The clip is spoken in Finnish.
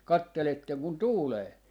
katselette kun tuulee